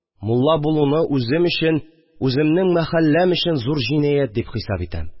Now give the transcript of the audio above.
Мулла булуны үзем өчен, үземнең мәхәлләм өчен зур җинаять дип хисап итәм